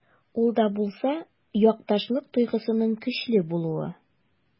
Ул да булса— якташлык тойгысының көчле булуы.